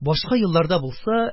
Башка елларда булса,